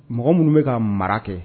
Mɔgɔ minnu bɛ ka mara kɛ